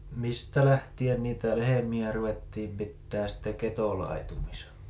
mistä lähtien niitä lehmiä ruvettiin pitämään sitten ketolaitumissa